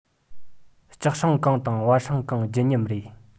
ལྕགས སྲང གང དང བལ སྲང གང ལྗིད མཉམ རེད